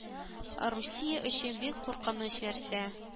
Русия өчен бик куркыныч нәрсә